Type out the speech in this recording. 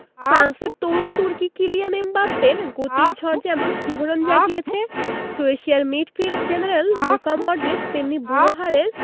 ফ্রান্সের তরুণ তুর্কি কিলিয়ান এমবাপ্পের গতির ঝড় যেমন শিহরণ জাগিয়েছে ক্রোয়েশিয়ার মিডফিল্ড জেনারেল লুকা মডরিচ তেমনি বুড়ো হাড়ের